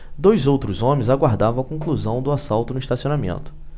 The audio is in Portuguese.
dois outros homens aguardavam a conclusão do assalto no estacionamento